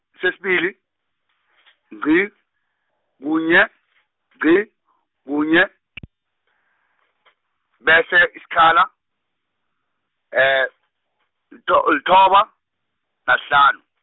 sesibili, ngci, kunye, ngci, kunye, bese isikhala, litho- lithoba, nahlanu.